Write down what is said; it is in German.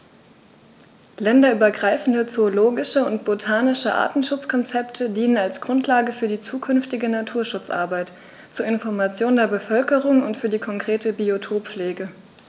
Länderübergreifende zoologische und botanische Artenschutzkonzepte dienen als Grundlage für die zukünftige Naturschutzarbeit, zur Information der Bevölkerung und für die konkrete Biotoppflege.